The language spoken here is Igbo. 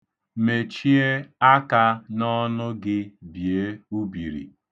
Mechie aka n'ọnụ gị bie ubiri.